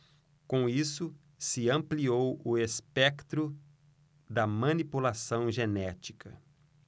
com isso se ampliou o espectro da manipulação genética